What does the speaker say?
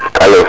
alo